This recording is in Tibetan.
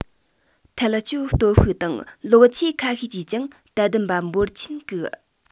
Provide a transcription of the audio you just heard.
ཐལ སྐྱོད སྟོབས ཤུགས དང ལོག ཆོས ཁ ཤས ཀྱིས ཀྱང དད ལྡན པ འབོར ཆེན བཀུག